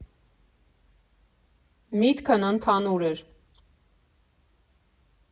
Միտքն ընդհանուր էր։